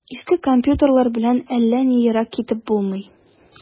Иске компьютерлар белән әллә ни ерак китеп булмый.